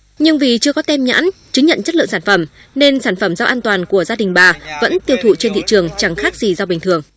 nhưng vì chưa có tem nhãn chứng nhận chất lượng sản phẩm nên sản phẩm rau an toàn của gia đình bà vẫn tiêu thụ trên thị trường chẳng khác gì rau bình thường